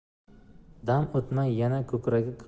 dam utmay yana kukragi